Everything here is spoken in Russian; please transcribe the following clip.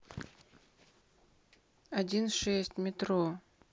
один шесть метро